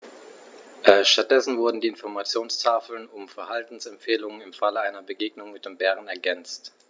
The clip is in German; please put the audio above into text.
Stattdessen wurden die Informationstafeln um Verhaltensempfehlungen im Falle einer Begegnung mit dem Bären ergänzt.